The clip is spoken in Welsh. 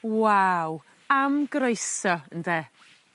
Waw, am groeso ynde?